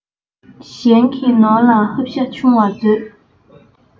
གཞན གྱི ནོར ལ ཧབ ཤ ཆུང བར མཛོད